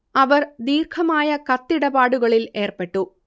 അവർ ദീർഘമായ കത്തിടപാടുകളിൽ ഏർപ്പെട്ടു